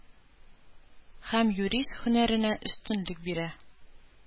Һәм юрист һөнәренә өстенлек бирә.